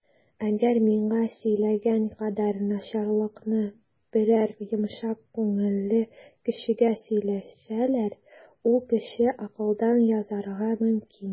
Әгәр миңа сөйләгән кадәр начарлыкны берәр йомшак күңелле кешегә сөйләсәләр, ул кеше акылдан язарга мөмкин.